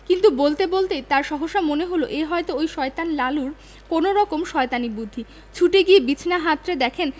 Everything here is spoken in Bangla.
কিন্তু বলতে বলতেই তাঁর সহসা মনে হলো এ হয়ত ঐ শয়তান লালুর কোনরকম শয়তানি বুদ্ধি ছুটে গিয়ে বিছানা হাতড়ে দেখেন